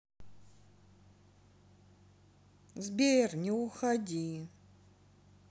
сбер не уходи